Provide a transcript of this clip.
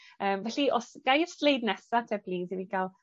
Yym felly os gai'r sleid nesa 'te plîs i ni ga'l